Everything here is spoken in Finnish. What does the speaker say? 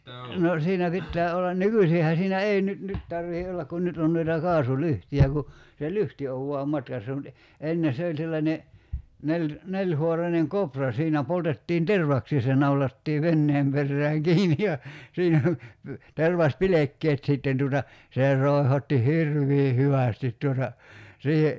no siinä pitää olla nykyisinhän siinä ei nyt nyt tarvitse olla kun nyt on noita kaasulyhtyjä kun se lyhty on vain matkassa mutta - ennen se oli sellainen - nelihaarainen koura siinä poltettiin tervaksia ja se naulattiin veneen perään kiinni ja siinä tervaspilkkeet sitten tuota se roihotti hirveän hyvästi tuota siihen